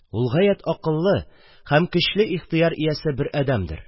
Ул гаять акыллы һәм көчле ихтыяр иясе бер әдәмдер